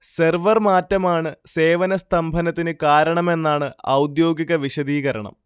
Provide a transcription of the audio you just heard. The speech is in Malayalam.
സെർവർ മാറ്റമാണ് സേവന സ്തംഭനത്തിന് കാരണമെന്നാണ് ഔദ്യോഗിക വിശദീകരണം